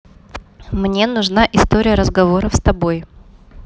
мне нужна история разговоров с тобой